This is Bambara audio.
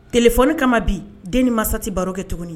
Kɛlɛfɔ kama bi den ni mansati baro kɛ tuguni